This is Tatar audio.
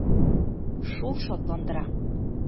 Шул шатландыра.